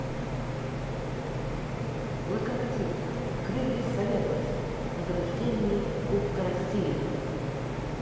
локомотив крылья советов награждение кубка россии